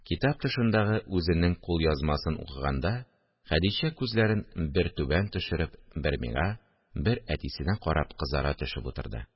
Китап тышындагы үзенең кулъязмасын укыганда, Хәдичә күзләрен бер түбән төшереп, бер миңа, бер әтисенә карап, кызара төшеп утырды